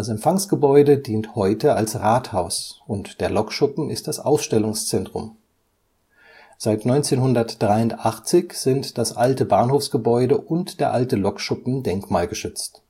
Empfangsgebäude dient heute als Rathaus und der Lokschuppen ist das Ausstellungszentrum. Seit 1983 sind das alte Bahnhofsgebäude und der alte Lokschuppen denkmalgeschützt